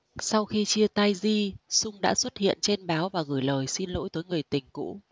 sau khi chia tay ji sung đã xuất hiện trên báo và gửi lời xin lỗi tới người tình cũ